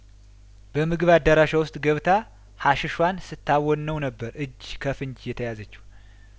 በምግብ አዳራሿ ውስጥ ገብታ ሀሺ ሿን ስታቦ ነው ነበር እጅ ከፍንጅ የተያዘችው